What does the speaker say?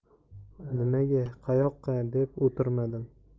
nimaga qayoqqa deb o'tirmadim